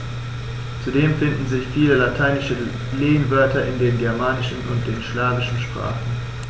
Zudem finden sich viele lateinische Lehnwörter in den germanischen und den slawischen Sprachen.